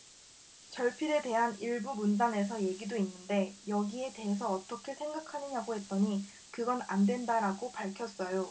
절필에 대한 일부 문단에서 얘기도 있는데 여기에 대해서 어떻게 생각하느냐고 했더니 그건 안 된다라고 밝혔어요